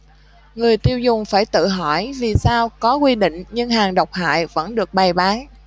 người tiêu dùng phải tự hỏi vì sao có quy định nhưng hàng độc hại vẫn được bày bán